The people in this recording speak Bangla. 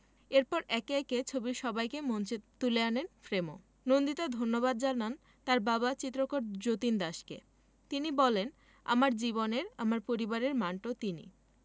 এরপর একে একে ছবির সবাইকে মঞ্চে তুলে আনেন ফ্রেমো নন্দিতা ধন্যবাদ জানান তার বাবা চিত্রকর যতীন দাসকে তিনি বলেন আমার জীবনের আমার পরিবারের মান্টো তিনি